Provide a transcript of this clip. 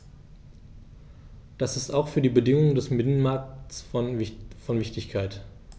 Das ist auch für die Bedingungen des Binnenmarktes von Wichtigkeit.